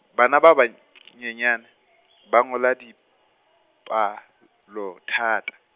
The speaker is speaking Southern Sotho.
bana ba banyenyane , ba ngola dipalo thata.